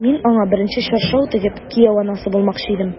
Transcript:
Мин аңа беренче чаршау тегеп, кияү анасы булмакчы идем...